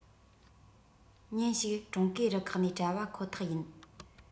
ཉིན ཞིག ཀྲུང གོའི རུ ཁག ནས བྲལ བ ཁོ ཐག ཡིན